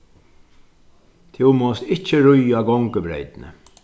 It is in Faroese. tú mást ikki ríða á gongubreytum